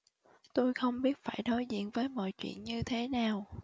tôi không biết phải đối diện với mọi chuyện như thế nào